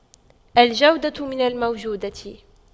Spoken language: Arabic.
الجودة من الموجودة